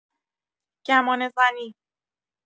گمانه‌زنی